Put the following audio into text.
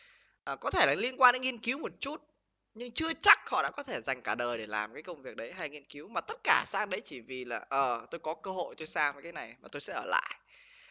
ờ có thể là liên quan đến nghiên cứu một chút nhưng chưa chắc họ đã có thể dành cả đời để làm cái công việc đấy hay nghiên cứu mà tất cả sang đấy chỉ vì là ờ tôi có cơ hội tôi sang với cái này và tôi sẽ ở lại